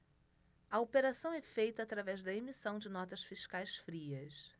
a operação é feita através da emissão de notas fiscais frias